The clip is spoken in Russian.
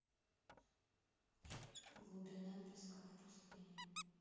глубина песка в пустыне